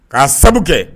K'a sababu kɛ